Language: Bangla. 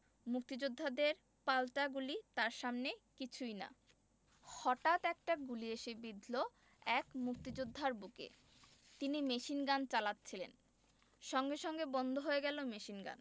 মুক্তিযোদ্ধাদের পাল্টা গুলি তার সামনে কিছুই না হটাৎ একটা গুলি এসে বিঁধল এক মুক্তিযোদ্ধার বুকে তিনি মেশিনগান চালাচ্ছিলেন সঙ্গে সঙ্গে বন্ধ হয়ে গেল মেশিনগান